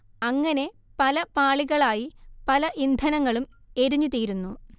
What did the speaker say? അങ്ങനെ പല പാളികളായി പല ഇന്ധനങ്ങളും എരിഞ്ഞുതീരുന്നു